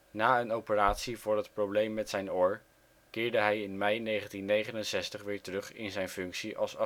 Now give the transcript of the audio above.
Na een operatie voor het probleem met zijn oor keerde hij in mei 1969 weer terug in zijn functie als